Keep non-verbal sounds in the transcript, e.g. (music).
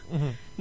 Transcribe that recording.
(hesitation) (hesitation)